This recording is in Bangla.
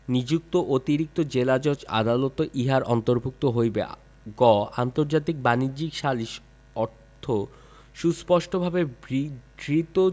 নিযুক্ত অতিরিক্ত জেলাজজ আদালতও ইহার অন্তর্ভুক্ত হইবে গ আন্তর্জাতিক বাণিজ্যিক সালিস অর্থ সুস্পষ্টভাবে বিধৃত